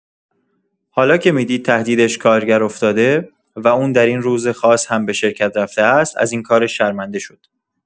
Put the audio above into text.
حالا که می‌دید تهدیدش کارگر افتاده و او در این روز خاص هم به شرکت رفته است، از این کارش شرمنده شد.